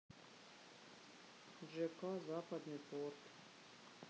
жк западный порт